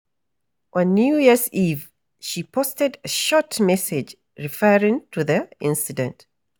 On New Year's Eve, she posted a short message referring to the incident.